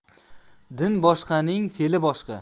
dini boshqaning fe'li boshqa